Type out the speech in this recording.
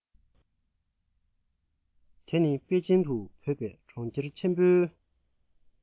དེ ནི པེ ཅིན དུ འབོད པའི གྲོང ཁྱེར ཆེན པོའི